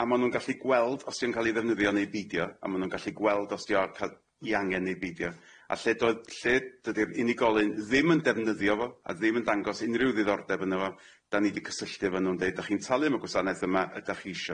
a ma' nw'n gallu gweld os di o'n ca'l i ddefnyddio neu' beidio a ma' nw'n gallu gweld os di o ca'l i angen neu' beidio a lle doedd lle dydi'r unigolyn ddim yn defnyddio fo a ddim yn dangos unrhyw ddiddordeb yno fo dan ni di cysylltu efo nw'n deud dach chi'n talu am y gwasanaeth yma ydach chi isio